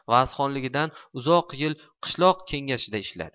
va'zxonligidan uzoq yil qishloq kengashida ishladi